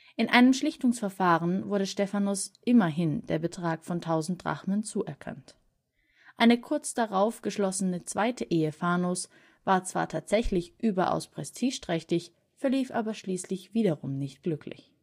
In einem Schlichtungsverfahren wurde Stephanos immerhin ein Betrag von 1.000 Drachmen zuerkannt. Eine kurz darauf geschlossene zweite Ehe Phanos war zwar tatsächlich überaus prestigeträchtig, verlief aber schließlich wiederum nicht glücklich